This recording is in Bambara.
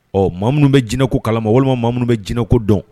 Ɔ maa minnu bɛ jinɛ ko kalama walima maa minnu bɛ jinɛ ko dɔn.